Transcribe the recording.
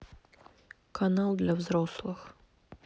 канал для взрослых